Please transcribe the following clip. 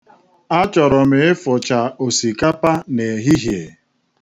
Achọrọ m ịfụcha osikapa n'ehihie.